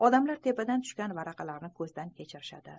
odamlar tepadan tushgan varaqalarni ko'zdan kechirishadi